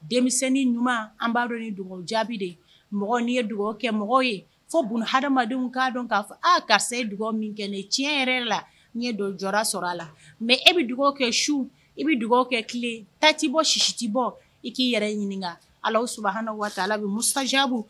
Denmisɛnnin ɲuman an b'a dɔn ni dugawu jaabi de ye mɔgɔ ni ye dugawu kɛ mɔgɔ ye fo b ha adamadamadenw k'a dɔn k'a fɔ aa karisa se dugawu dugaw min kɛ ne tiɲɛ yɛrɛ la n ye donso jɔra sɔrɔ a la mɛ e bɛ dugawu kɛ su i bɛ dugaw kɛ tile tati bɔ sisiti bɔ i k'i yɛrɛ ɲini ala s waati la bɛ mu